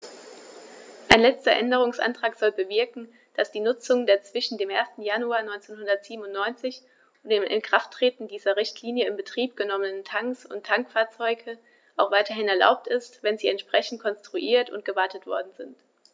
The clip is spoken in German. Ein letzter Änderungsantrag soll bewirken, dass die Nutzung der zwischen dem 1. Januar 1997 und dem Inkrafttreten dieser Richtlinie in Betrieb genommenen Tanks und Tankfahrzeuge auch weiterhin erlaubt ist, wenn sie entsprechend konstruiert und gewartet worden sind.